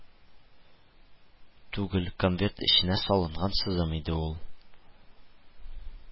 Түгел, конверт эченә салынган сызым иде ул